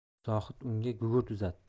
zohid unga gugurt uzatdi